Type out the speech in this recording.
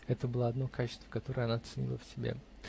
Это было одно качество, которое она ценила в себе.